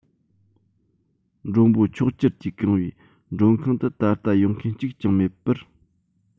མགྲོན པོ མཆོག གྱུར གྱིས བཀང བའི མགྲོན ཁང དུ ད ལྟ ཡོང མཁན གཅིག ཀྱང མེད པར